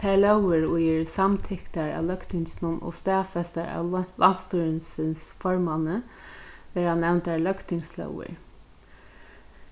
tær lógir ið eru samtyktar av løgtinginum og staðfestar av landsstýrisins formanni verða nevndar løgtingslógir